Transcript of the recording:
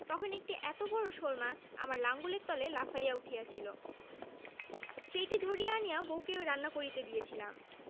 তখন একটি এত বড় শোলমাছ আমার লাঙলের তলে লাফাইয়া উঠিয়াছিল সেইটি ধরিয়া আনিয়া বউকে রান্না করিতে দিয়াছিলাম